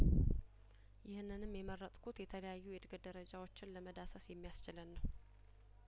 ይህንንም የመረጥ ኩት የተለያዩ የእድገት ደረጃዎችን ለመዳሰስ የሚያስችለን ነው